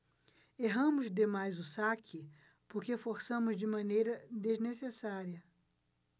erramos demais o saque porque forçamos de maneira desnecessária